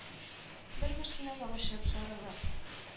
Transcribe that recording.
Бер-берсенә ябышып, сарылып.